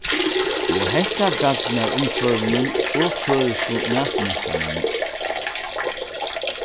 og hetta gagnar umhvørvinum og føroysku matmentanini